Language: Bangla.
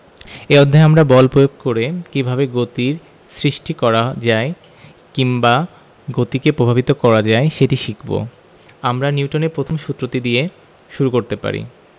এই অধ্যায়ে আমরা বল প্রয়োগ করে কীভাবে গতির সৃষ্টি করা যায় কিংবা গতিকে প্রভাবিত করা যায় সেটি শিখব আমরা নিউটনের প্রথম সূত্রটি দিয়ে শুরু করতে পারি